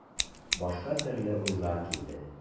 Башка төрле уйлар килде.